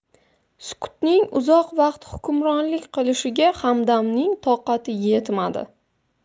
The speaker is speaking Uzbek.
sukutning uzoq vaqt hukmronlik qilishiga hamdamning toqati yetmadi